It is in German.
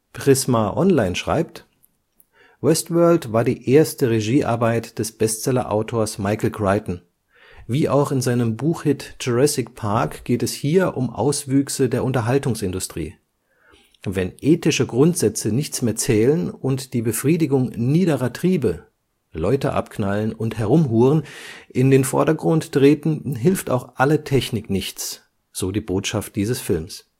prisma-online: „ Westworld “war die erste Regie-Arbeit des Bestseller-Autors Michael Crichton. Wie auch in seinem Buch-Hit „ Jurassic Park “geht es hier um Auswüchse der Unterhaltungsindustrie. Wenn ethische Grundsätze nichts mehr zählen und die Befriedigung niederer Triebe (Leute abknallen und Herumhuren) in den Vordergrund treten, hilft auch alle Technik nichts, so die Botschaft dieses Films